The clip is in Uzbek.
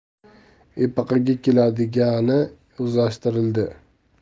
epaqaga keladigani o'zlashtirildi